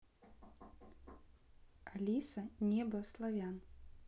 алиса небо славян